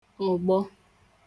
ògbọ